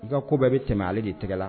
Ka kobɛn bɛ tɛmɛ ale de tɛgɛ la